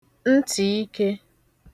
ntị̀ ikē